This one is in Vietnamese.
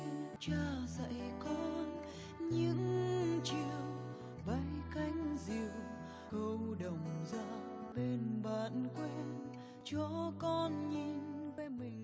cha dạy con những chiều bay cánh diều câu đồng ra bên bạn quen cho con nhìn